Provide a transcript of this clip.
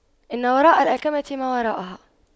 إن وراء الأَكَمةِ ما وراءها